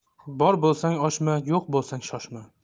bor bo'lsang oshma yo'q bo'lsang shoshma